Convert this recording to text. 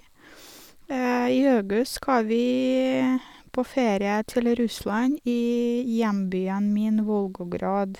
I august skal vi på ferie til Russland, i hjembyen min Volgograd.